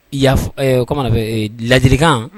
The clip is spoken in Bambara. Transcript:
Y ya oumana fɛ ladirikan